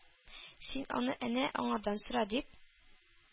Син аны әнә аңардан сора!-дип,